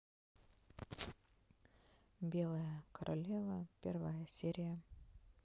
белая королева первая серия